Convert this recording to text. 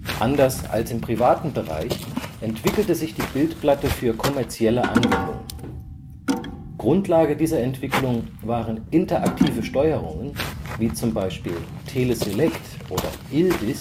Anders als im privaten Bereich entwickelte sich die Bildplatte für kommerzielle Anwendungen. Grundlage dieser Entwicklung waren interaktive Steuerungen (z.B. Teleselect, ILDIS